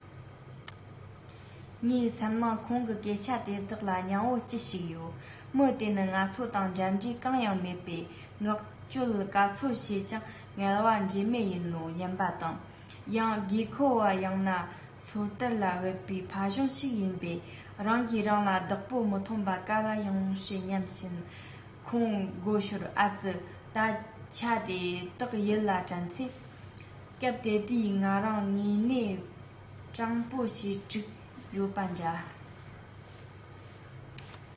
ངའི སེམས ནང ཁོང གི སྐད ཆ དེ དག ལ སྙིང པོ ཅི ཞིག ཡོད མི དེ ནི ང ཚོ དང འབྲེལ འདྲིས གང ཡང མེད པས མངགས བཅོལ ག ཚོད བྱས ཀྱང ངལ བ འབྲས མེད ཡིན ནོ སྙམ པ དང ཡང སྒོས ཁ བོ ཡང ན སོ དར ལ བབས པའི ཕོ གཞོན ཞིག ཡིན པས རང གིས རང ལ བདག པོ མི ཐོན པ ག ལ ཡོང སྲིད སྙམ བཞིན ཁོང དགོད ཤོར ཨ ཙི ད ཆ དེ དག ཡིད ལ དྲན ཚེ སྐབས དེ དུས ང རང དངོས གནས སྤྱང པོ ཞེ དྲག ཡོད པ འདྲ